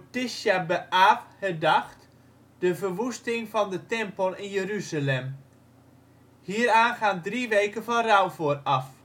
Tisja be'Aaw herdacht, de verwoesting van de Tempel in Jeruzalem. Hieraan gaan drie weken van rouw vooraf